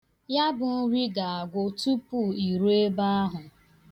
Ya bụ nri ga-agwụ tupu i ruo ebe ahụ.